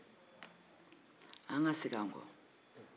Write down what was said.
an ka segin an kɔ